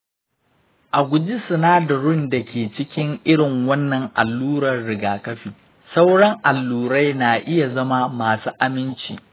a guji sinadarin da ke cikin irin wannan allurar rigakafi. sauran allurai na iya zama masu aminci.